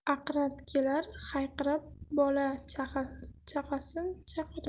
aqrab kelar hayqirib bola chaqasini chaqirib